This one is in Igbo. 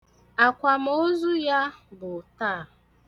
Akwamoozu ya bụ taa.